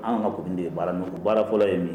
Anw ka commune de ye baara nok baara fɔlɔ ye min ye